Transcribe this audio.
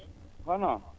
honoo